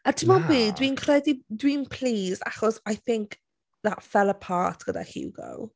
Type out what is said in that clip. A timod be... na ...dwi'n credu... dwi'n pleased achos I think that fell apart gyda Hugo.